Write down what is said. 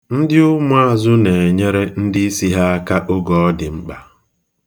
Ndị ụmuazụ na-enyere ndị isi ha aka oge ọ dị mkpa.